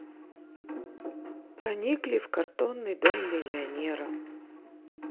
проникли в картонный дом миллионера